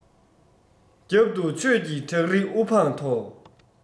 རྒྱབ ཏུ ཆོས ཀྱི བྲག རི དབུ འཕང མཐོ